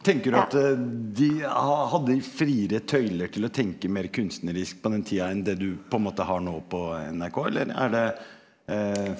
tenker du at de hadde friere tøyler til å tenke mer kunstnerisk på den tida enn det du på en måte har noe på NRK eller er det ?